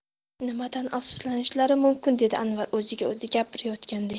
nimadan afsuslanishlari mumkin dedi anvar o'ziga o'zi gapirayotganday